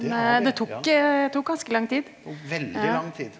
det har det tok veldig lang tid.